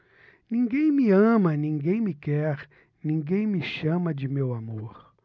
ninguém me ama ninguém me quer ninguém me chama de meu amor